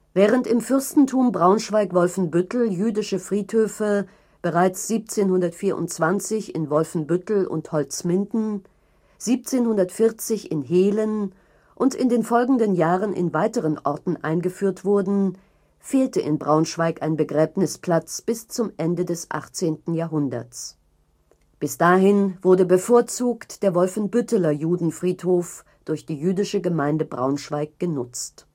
Während im Fürstentum Braunschweig-Wolfenbüttel jüdische Friedhöfe bereits 1724 in Wolfenbüttel und Holzminden, 1740 in Hehlen und in den folgenden Jahren in weiteren Orten eingerichtet wurden, fehlte in Braunschweig ein Begräbnisplatz bis zum Ende des 18. Jahrhunderts. Bis dahin wurde bevorzugt der Wolfenbütteler Judenfriedhof durch die Jüdische Gemeinde Braunschweig genutzt